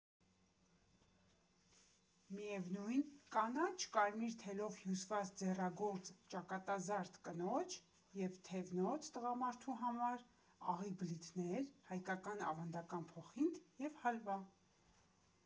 Միևնույն կանաչ֊կարմիր թելով հյուսված ձեռագործ ճակատազարդ՝ կնոջ և թևնոց՝ տղամարդու համար, աղի բլիթներ, հայկական ավանդական փոխինդ և հալվա։